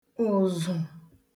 ụ̀zụ̀